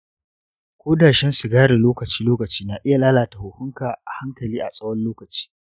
ko da shan sigari lokaci-lokaci na iya lalata huhunka a hankali a tsawon lokaci.